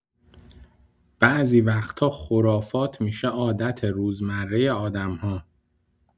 بعضی وقتا خرافات می‌شه عادت روزمره آدم‌ها.